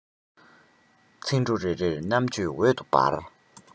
ཚིག འབྲུ རེ རེར རྣམ དཔྱོད འོད དུ འབར